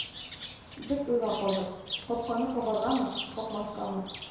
Без уйга калдык - капканы кагаргамы, какмаскамы